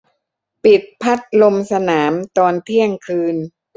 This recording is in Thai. ปิดพัดลมสนามตอนเที่ยงคืน